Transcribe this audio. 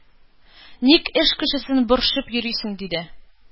Ник эш кешесен борчып йөрисең инде?” –